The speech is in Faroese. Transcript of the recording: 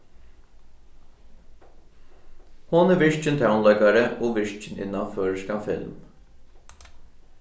hon er virkin tónleikari og virkin innan føroyskan film